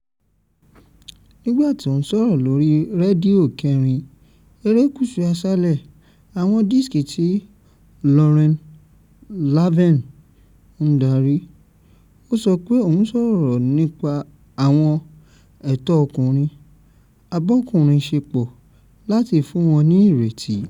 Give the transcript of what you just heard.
Nígbàtí ó ń sọ̀rọ̀ lórí Rédíò 4 Èrékùsù Àṣálẹ̀ Àwọn Dísìkì tí Lauren Laverne ń darí, ó sọ pé òun sọ̀rọ̀ nípa àwọn ẹ̀tọ́ ọkùnrin-abọ́kùnrinṣepọ̀ láti fún wọ́n ní “ìrètí.”